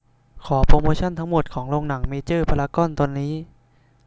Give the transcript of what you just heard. ขอโปรโมชันทั้งหมดของโรงหนังเมเจอร์พารากอนตอนนี้